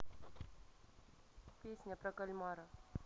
песня про кальмара